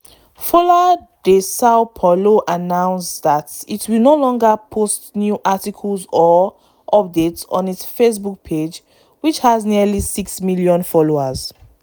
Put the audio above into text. Folha de Sao Paulo announced that it will no longer post news articles or updates on its Facebook page, which has nearly six million followers.